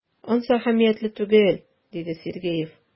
Ансы әһәмиятле түгел,— диде Сергеев.